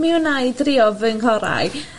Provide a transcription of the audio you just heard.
Mi wna i drio fy nghorau.